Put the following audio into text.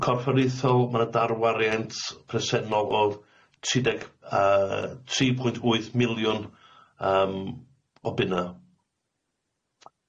Yn corfforaethol ma' na darwariant presennol o tri deg yy tri pwynt wyth miliwn yym o bunna.